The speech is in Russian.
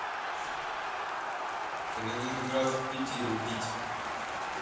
ленинград в питере пить